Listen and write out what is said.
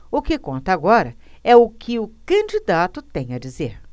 o que conta agora é o que o candidato tem a dizer